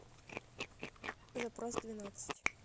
запрос двенадцать